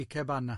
Ikebana.